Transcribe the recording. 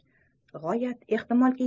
g'oyat ehtimolki